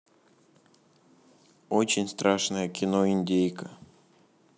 очень страшное кино индейка